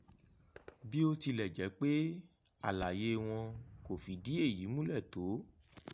Bí ó tilẹ̀ jẹ́ pé àlàyé wọn kò fìdí èyí múlẹ̀ tó: